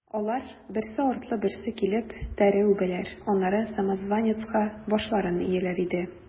Алар, берсе артлы берсе килеп, тәре үбәләр, аннары самозванецка башларын ияләр иде.